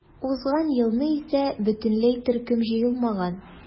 Узган елны исә бөтенләй төркем җыелмаган.